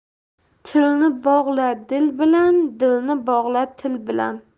tilni bog'la dil bilan dilni bog'la til bilan